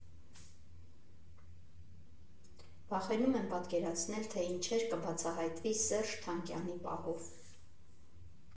Վախենում եմ պատկերացնել, թե ինչեր կբացահայտվի Սերժ Թանկյանի պահով։